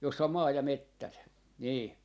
jossa on maa ja metsät niin